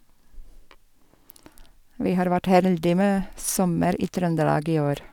Vi har vært heldig med sommer i Trøndelag i år.